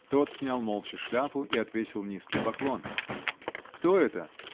Тот снял молча шляпу и отвесил низкий поклон. -- Кто это?